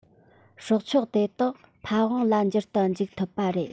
སྲོག ཆགས དེ དག ཕ ཝང ལ འགྱུར དུ འཇུག ཐུབ པ རེད